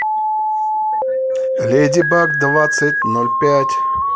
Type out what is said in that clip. леди баг девятнадцать ноль пять